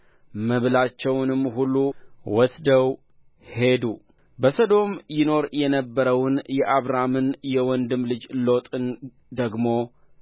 መብላቸውንም ሁሉ ወስደው ሄዱ በሰዶም ይኖር የነበረውን የአብራምን የወንድም ልጅ ሎጥን ደግሞ